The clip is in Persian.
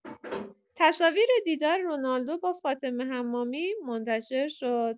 تصاویر دیدار رونالدو با فاطمه حمامی منتشر شد.